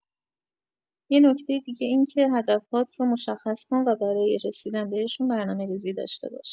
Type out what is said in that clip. یه نکته دیگه اینکه هدف‌هات رو مشخص کن و برای رسیدن بهشون برنامه‌ریزی داشته باش.